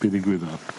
...be' ddigwyddodd?